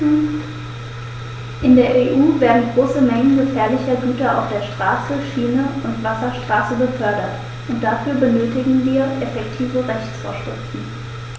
In der EU werden große Mengen gefährlicher Güter auf der Straße, Schiene und Wasserstraße befördert, und dafür benötigen wir effektive Rechtsvorschriften.